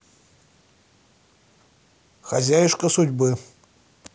хозяюшка судьбы